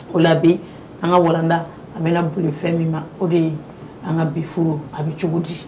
O la bi an ka walanda a bɛ na boli fɛn min ma o de ye an ka bi furu a bi cogo di.